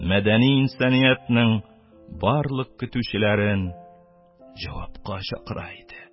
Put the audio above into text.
Мәдәни инсаниятнең барлык көтүчеләрен жавапка чакыра иде